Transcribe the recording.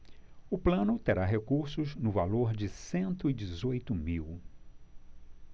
o plano terá recursos no valor de cento e dezoito mil